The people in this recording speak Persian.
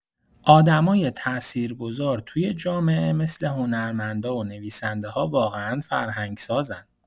آدمای تاثیرگذار توی جامعه مثل هنرمندا و نویسنده‌‌ها واقعا فرهنگ‌سازن.